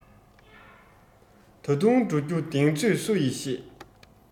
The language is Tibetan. ད དུང འགྲོ རྒྱུའི གདེང ཚོད སུ ཡིས ཤེས